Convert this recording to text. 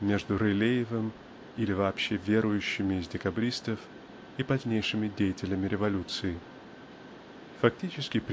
между Рылеевым и вообще верующими из декабристов и позднейшими деятелями революции. Фактически